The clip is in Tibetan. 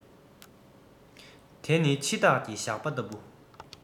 དེ ནི འཆི བདག གི ཞགས པ ལྟ བུ